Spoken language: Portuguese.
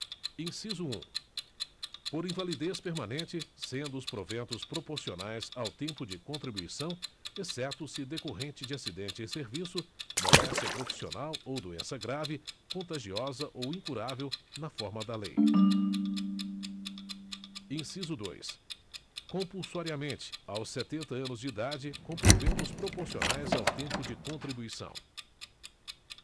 inciso um por invalidez permanente sendo os proventos proporcionais ao tempo de contribuição exceto se decorrente de acidente em serviço moléstia profissional ou doença grave contagiosa ou incurável na forma da lei inciso dois compulsoriamente aos setenta anos de idade com proventos proporcionais ao tempo de contribuição